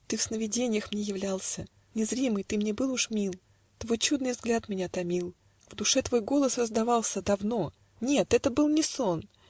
Ты в сновиденьях мне являлся Незримый, ты мне был уж мил, Твой чудный взгляд меня томил, В душе твой голос раздавался Давно. нет, это был не сон!